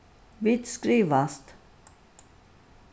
vit skrivast